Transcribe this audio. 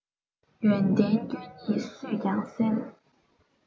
ཡོན ཏན སྐྱོན གཉིས སུས ཀྱང གསལ